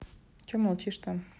че молчишь то